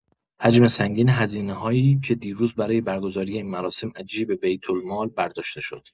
حجم سنگین هزینه‌هایی که دیروز برای برگزاری این مراسم از جیب بیت‌المال برداشت شد.